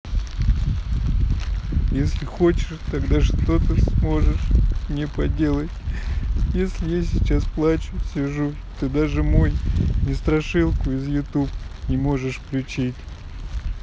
если хочешь тогда что ты сможешь мне поделать если я сейчас плачу сижу ты даже мой не страшилку из youtube не можешь включить